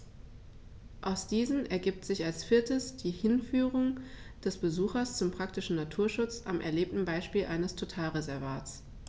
Aus diesen ergibt sich als viertes die Hinführung des Besuchers zum praktischen Naturschutz am erlebten Beispiel eines Totalreservats.